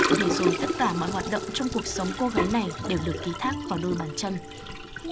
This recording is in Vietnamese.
để rồi tất cả mọi hoạt động trong cuộc sống cô gái này đều được ký thác vào đôi bàn chân